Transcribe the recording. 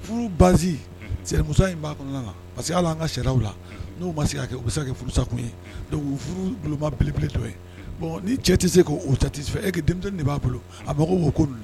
Furu bamusosa in b' kɔnɔna parce' an ka se aw la n' ma se ka kɛ u bɛ se kɛ furusa kun yeu furubaeletɔ ye bon ni cɛ tɛ se k' tati fɛ e ka denmisɛn de b'a bolo a bɛ ko